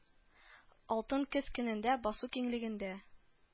Алтын көз көнендә, басу киңлегендә